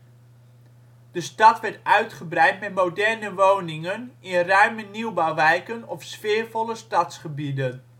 uitgebreid met moderne woningen in ruime nieuwbouwwijken of sfeervolle stadsgebieden